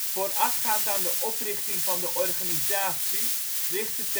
Voorafgaand aan de oprichting van de organisatie richtte